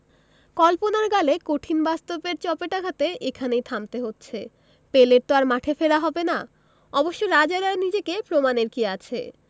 কল্পনার গালে কঠিন বাস্তবের চপেটাঘাতে এখানেই থামতে হচ্ছে পেলের তো আর মাঠে ফেরা হবে না অবশ্য রাজার আর নিজেকে প্রমাণের কী আছে